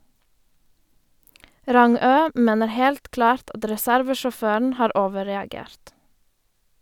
Rangø mener helt klart at reservesjåføren har overreagert.